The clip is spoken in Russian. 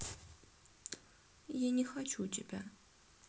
я не хочу тебя